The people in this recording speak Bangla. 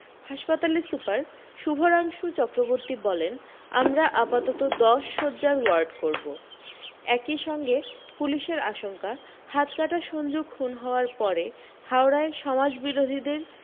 হাসপাতালের সুপার শুভরাংশু চক্রবর্তী বলেন আমরা আপাতত দশ শয্যার ওয়ার্ড করব একি সঙ্গে পুলিশের আশঙ্কা হাতকাটা সঞ্জু খুন হওয়ার পরে হাওড়ায় সমাজবিরোধীদের